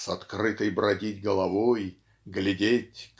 "с открытой бродить головой глядеть